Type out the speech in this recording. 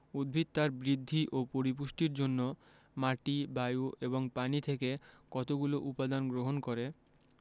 উদ্ভিদ তার বৃদ্ধি ও পরিপুষ্টির জন্য মাটি বায়ু এবং পানি থেকে কতগুলো উপদান গ্রহণ করে